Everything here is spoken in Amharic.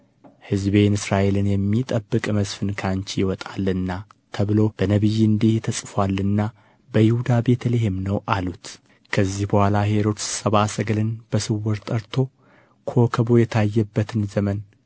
ሕዝቤን እስራኤልን የሚጠብቅ መስፍን ከአንቺ ይወጣልና ተብሎ በነቢይ እንዲህ ተጽፎአልና በይሁዳ ቤተ ልሔም ነው አሉት ከዚህ በኋላ ሄሮድስ ሰብአ ሰገልን በስውር ጠርቶ ኮከቡ የታየበትን ዘመን